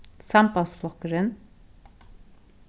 sambandsflokkurin